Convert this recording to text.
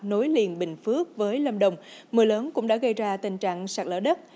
nối liền bình phước với lâm đồng mưa lớn cũng đã gây ra tình trạng sạt lở đất